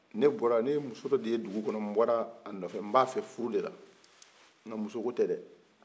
ne bɔra ne ye muso dɔ de ye dugu kɔnɔ n bɔra a nafɛ furu de la nka muso ko tɛ dɛ